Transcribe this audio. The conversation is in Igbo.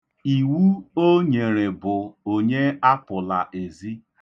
Iwu o nyere bụ, onye apụla ezi.